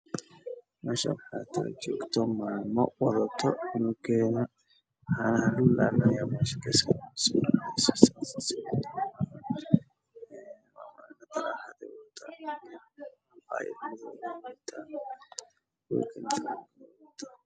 Meeshan waxaa ku yaalla boor waxaa ku sawiran caanno nuun la akiin waxaana geeska kale uga soo waran gabar wadato guddida ay isku madow oo cunug yar nahay gacanta ku hayso